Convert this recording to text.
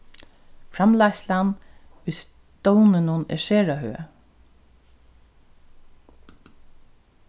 framleiðslan í stovninum er sera høg